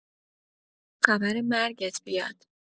خبر مرگت بیاد